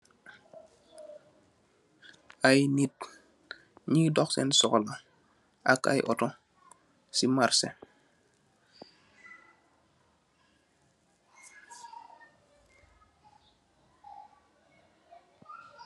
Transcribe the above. Ay nitt nyui doh seen soxla ak ay auto si marche.